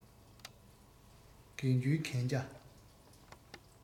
འགན བཅོལ གན རྒྱ